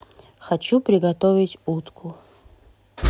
хочу приготовить утку